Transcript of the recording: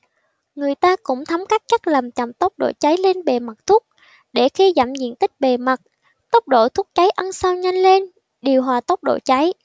người ta cũng thấm các chất làm chậm tốc độ cháy lên bề mặt thuốc để khi giảm diện tích bề mặt tốc độ thuốc cháy ăn sâu nhanh lên điều hòa tốc độ cháy